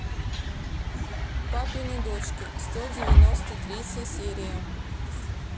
папины дочки сто девяносто третья серия